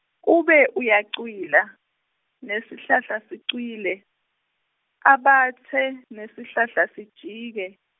ube uyacwila, nesihlahla sicwile, abatse nesihlahla sijike.